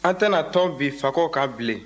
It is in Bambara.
an tɛna tɔn bin fako kan bilen